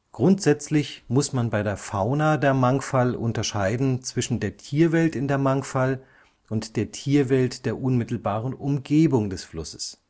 Grundsätzlich muss man bei der Fauna der Mangfall unterscheiden zwischen der Tierwelt in der Mangfall und der Tierwelt der unmittelbaren Umgebung des Flusses